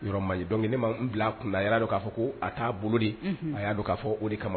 Yɔrɔma ye dɔnkili ma bila kun a y'a don k'a fɔ ko a t'a bolo de a y'a don k'a fɔ o de kama